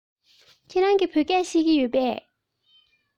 ཁྱེད རང བོད སྐད ཤེས ཀྱི ཡོད པས